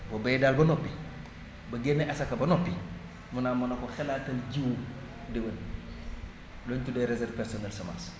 boo bayee daal ba noppi ba génne asaka ba noppi mu ne ah ma ne ko xalaatal jiwu déwén luñ tuddee réserve personnel semence